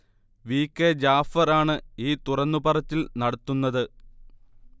V. K Jafar ആണ് ഈ തുറന്നു പറച്ചിൽ നടത്തുന്നത്